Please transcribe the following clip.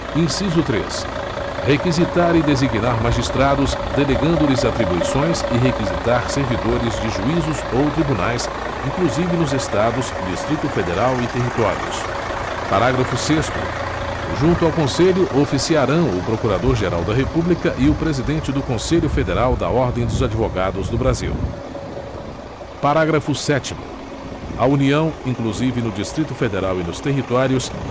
inciso três requisitar e designar magistrados delegando lhes atribuições e requisitar servidores de juízos ou tribunais inclusive nos estados distrito federal e territórios parágrafo sexto junto ao conselho oficiarão o procurador geral da república e o presidente do conselho federal da ordem dos advogados do brasil parágrafo sétimo a união inclusive no distrito federal e nos territórios